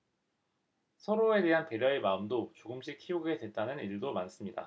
서로에 대한 배려의 마음도 조금씩 키우게 됐다는 이들도 많습니다